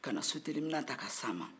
ka na suteli minɛn ta ka s'an ma